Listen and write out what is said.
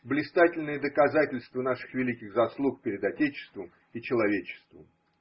блистательное доказательство наших великих заслуг перед отечеством и человечеством.